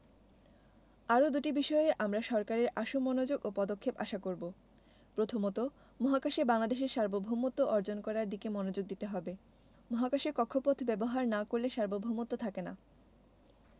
আরও দুটি বিষয়ে আমরা সরকারের আশু মনোযোগ ও পদক্ষেপ আশা করব প্রথমত মহাকাশে বাংলাদেশের সার্বভৌমত্ব অর্জন করার দিকে মনোযোগ দিতে হবে মহাকাশের কক্ষপথ ব্যবহার না করলে সার্বভৌমত্ব থাকে না